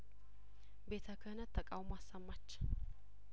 ቤተክህነት ተቃውሞ አሰማች